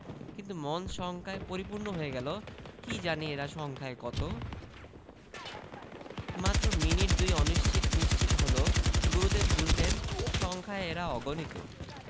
কিন্তু মন শঙ্কায় পরিপূর্ণ হয়ে গেল কি জানি এরা সংখ্যায় কত মাত্র মিনিট দুই অনিশ্চিত নিশ্চিত হলো গুরুদেব বুঝলেন সংখ্যায় এরা অগণিত